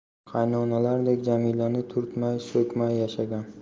qaynonalardek jamilani turtmay so'kmay yashagan